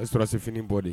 Ɛ sɔrɔrasi fini bɔ de ye